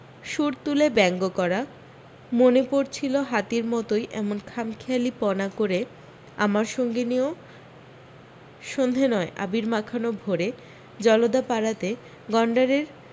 শুঁড় তুলে ব্যঙ্গ করা মনে পড়ছিল হাতির মতোই এমন খামখেয়ালিপনা করে আমার সঙ্গিনীও সন্ধে নয় আবির মাখানো ভোরে জলদাপাড়াতে গন্ডারের